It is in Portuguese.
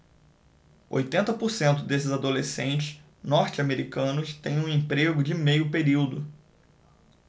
oitenta por cento desses adolescentes norte-americanos têm um emprego de meio período